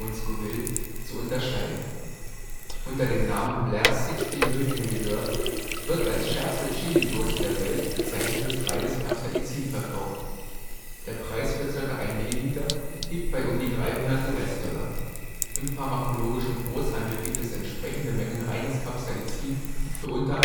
Scoville) zu unterscheiden. Unter dem Namen Blair’ s 16 Million Reserve wird als schärfste Chilisauce der Welt bezeichnetes reines Capsaicin verkauft. Der Preis für ca. 1 ml liegt bei um die 300 $. Im pharmakologischen Großhandel gibt es entsprechende Mengen reines Capsaicin für unter